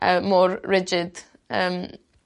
Yy mor rigid. Yym.